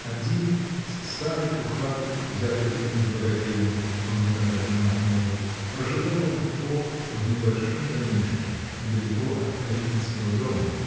Один, с старой кухаркой, взятой им из богадельни (он никогда женат не был), проживал он в О. в небольшом домишке, недалеко от калитинского дома